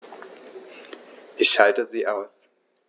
Ich schalte sie aus.